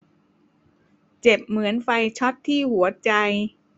เจ็บเหมือนไฟช็อตที่หัวใจ